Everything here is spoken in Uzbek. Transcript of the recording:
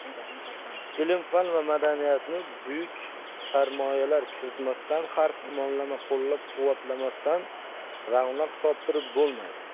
ilm fan va madaniyatni buyuk sarmoyalar kiritmasdan har tomonlama qo'llab quvvatlamasdan ravnaq toptirib bo'lmaydi